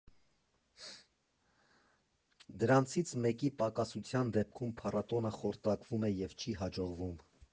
Դրանցից մեկի պակասության դեպքում փառատոնը խորտակվում է և չի հաջողվում։